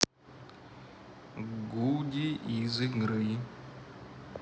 goody из игры